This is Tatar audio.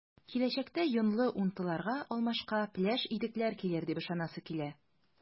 Киләчәктә “йонлы” унтыларга алмашка “пеләш” итекләр килер дип ышанасы килә.